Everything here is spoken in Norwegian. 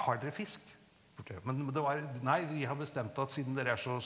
har dere fisk, spurte jeg, men det var, nei, vi har bestemt at siden dere er så